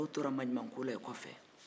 tɔw tora maɲumako la i kɔfɛ yan